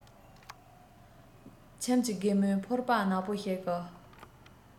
ཁྱིམ གྱི རྒན མོས ཕོར པ ནག པོ ཞིག གི